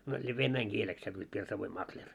no se venäjän kieleksi sanoivat pirsavoin makleri